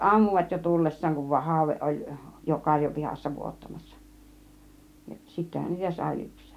ammuivat jo tullessaan kun vain haude oli jo karjopihassa vuottamassa sittenhän niitä sai lypsää